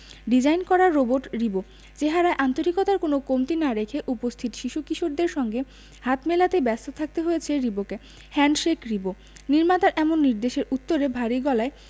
design করা robot Ribo চেহারায় আন্তরিকতার কোনো কমতি না রেখে উপস্থিত শিশু কিশোরদের সঙ্গে হাত মেলাতেই ব্যস্ত থাকতে হয়েছে রিবোকে হ্যান্ডশেক রিবো নির্মাতার এমন নির্দেশের উত্তরে ভারী গলায়